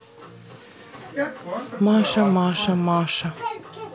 маша маша маша